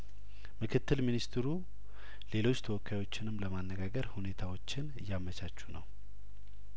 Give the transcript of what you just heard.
ምክትል ሚኒስትሩ ሌሎች ተወካዮችንም ለማነጋገር ሁኔታዎችን እያመቻቹ ነው